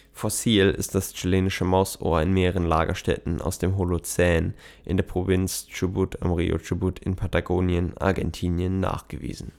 Fossil ist das Chilenische Mausohr in mehreren Lagerstätten aus dem Holozän in der Provinz Chubut am Río Chubut in Patagonien, Argentinien, nachgewiesen